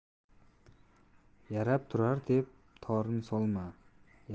yarab turar deb torn solma